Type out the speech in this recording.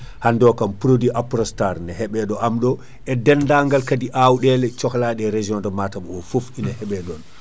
hande o kam produit Aprostar ne heeɓe ɗo am ɗo e dennangal kaadi awɗele cohlaɗe e région de Matam o foof ina heeɓe ɗon